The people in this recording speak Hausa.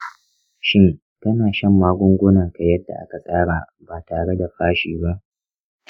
shin kana shan magungunanka yadda aka tsara ba tare da fashi ba?